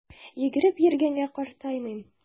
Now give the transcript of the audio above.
Йөгереп йөргәнгә картаймыйм!